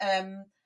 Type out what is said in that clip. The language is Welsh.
Yym.